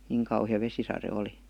niin kauhea vesisade oli